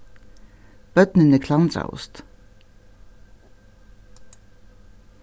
børnini klandraðust